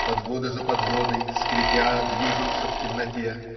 Подвода за подводой, скрипя, движутся в темноте.